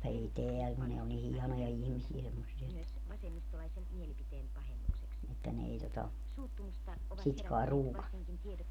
ei täällä kun ne on niin hienoja ihmisiä semmoisia että että ne ei tuota sitä kai ruukannut